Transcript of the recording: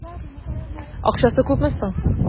Акчасы күпме соң?